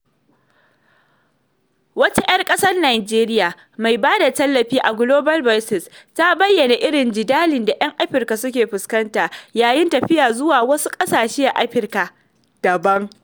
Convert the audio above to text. Wata 'yar ƙasar Nijeriya mai ba da tallafi a Global Voice ta bayyana irin "jidalin da 'yan Afirka suke fuskanta yayin tafiya zuwa wasu ƙasashen na Afirka daban".